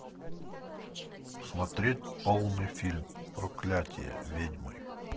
смотреть полный фильм проклятие ведьмы